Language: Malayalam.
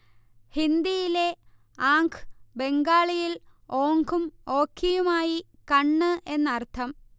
ഹിന്ദിയിലെ ആംഖ് ബംഗാളിയിൽ ഓംഖും ഓഖിയുമായി കണ്ണ് എന്ന് അർത്ഥം